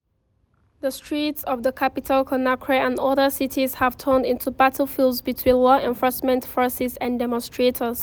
The streets of the capital, Conakry, and other cities have turned into battlefields between law enforcement forces and demonstrators.